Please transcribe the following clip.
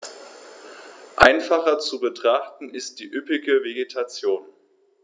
Einfacher zu betrachten ist die üppige Vegetation.